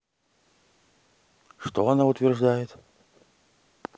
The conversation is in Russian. что она утверждает